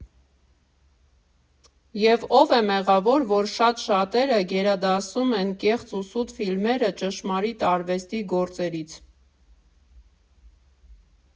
Եվ ո՞վ է մեղավոր, որ շատ֊շատերը գերադասում են կեղծ ու սուտ ֆիլմերը ճշմարիտ արվեստի գործերից։